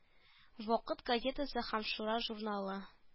Вакыт газетасы һәм шура журналы